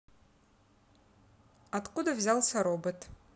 откуда взялось робот